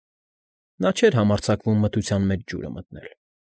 Նա չէր համարձակվում մթության մեջ ջուրը մտնել։